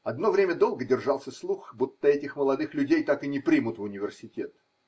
Одно время долго держался слух, будто этих молодых людей так и не примут в университет.